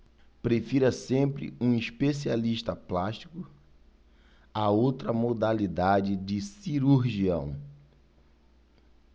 prefira sempre um especialista plástico a outra modalidade de cirurgião